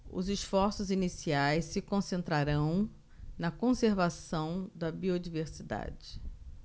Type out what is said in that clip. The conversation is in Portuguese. os esforços iniciais se concentrarão na conservação da biodiversidade